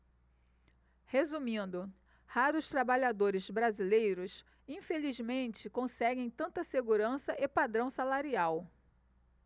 resumindo raros trabalhadores brasileiros infelizmente conseguem tanta segurança e padrão salarial